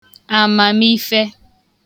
àmàmife